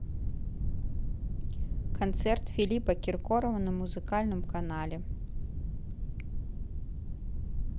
концерт филиппа киркорова на музыкальном канале